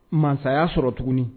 Mansaya sɔrɔ tugun